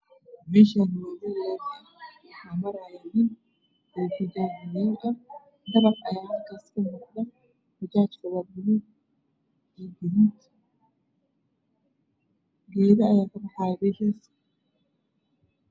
Meeshaan waa meel laami ah waxaa maraayo nin bajaaj wado. Dabaq ayaa halkaas kamuuqdo, bajaajka waa buluug iyo gaduud. Geedo ayaa kabaxaayo meesha.